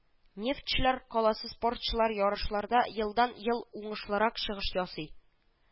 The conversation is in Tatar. Нефтьчеләр каласы спортчылар ярышларда елдан-ел уңышлырак чыгыш ясый: